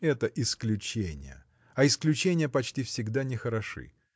– Это исключения, а исключения почти всегда не хороши.